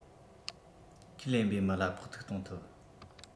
ཁས ལེན པའི མི ལ ཕོག ཐུག གཏོང ཐུབ